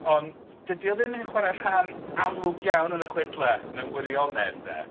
Ond dydi o ddim yn chwarae rhan amlwg iawn yn y chwedlau, mewn gwirionedd 'de.